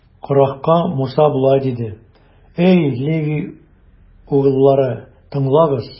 Корахка Муса болай диде: Әй Леви угыллары, тыңлагыз!